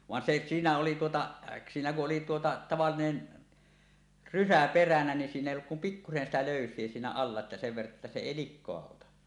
vaan se siinä oli tuota siinä kun oli tuota tavallinen rysä peränä niin siinä ei ollut kuin pikkuisen sitä löysiä siinä alla että sen verran että se ei likaa ota